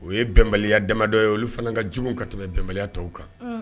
O ye bɛnenbaliya damadɔ ye olu fana ka j jugu ka tɛmɛ bɛnenbaliya tɔw kan